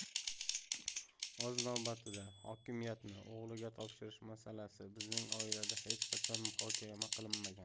o'z navbatida hokimiyatni o'g'liga topshirish masalasi bizning oilada hech qachon muhokama qilinmagan